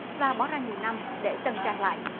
và bỏ ra nhiều năm để tân trang lại